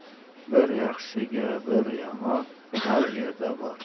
bir yaxshiga bir yomon har yerda bor